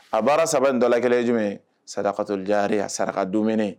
A baara saba in dɔ la kelen ye jumɛn ye sarakatolijariya saraka dumuni.